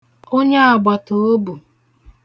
onye àgbàtàobù